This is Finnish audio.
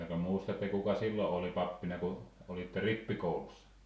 vieläkö muistatte kuka silloin oli pappina kun olitte rippikoulussa